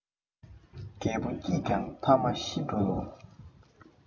རྒྱལ པོ སྐྱིད ཀྱང ཐ མ ཤི འགྲོ ལོ